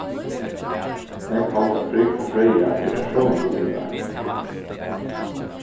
nógv halda at frigg og freya eru tær somu gudinnurnar